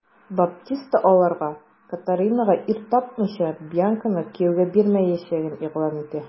Баптиста аларга, Катаринага ир тапмыйча, Бьянканы кияүгә бирмәячәген игълан итә.